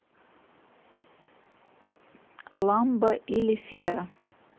ламбо или фера